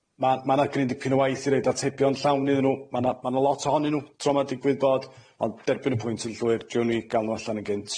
Ma' ma' 'na gryn dipyn o waith i roid atebion llawn iddyn nw. Ma' 'na- ma' 'na lot ohonyn nw tro 'ma digwydd bod, ond derbyn y pwynt yn llwyr. Driwn ni ga'l nw allan yn gynt.